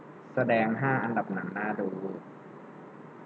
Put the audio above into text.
แสดงห้าอันดับหนังน่าดู